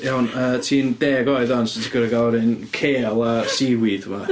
Iawn, yy ti'n deg oed 'wan so ti'n gorfod gael yr un kale a seaweed 'ma.